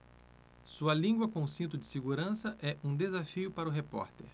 sua língua com cinto de segurança é um desafio para o repórter